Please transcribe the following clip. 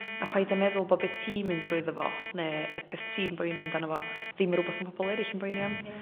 a paid â meddwl bo' be' ti mynd drwyddo fo ne' y peth tî'n boeni amdano fo ddim yn rwbath ma' pobol erill yn boeni am